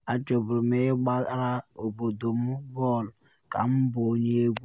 “Achọburu m ịgbara obodo m bọọlụ ka m bụ onye egwu.